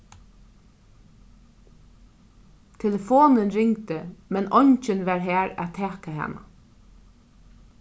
telefonin ringdi men eingin var har at taka hana